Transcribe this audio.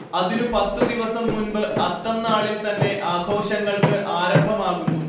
അതിനു പത്തു ദിവസം മുൻപ് അത്തം നാളിൽ തന്നെ ആഘോഷങ്ങൾക്ക് ആരംഭമാകുന്നു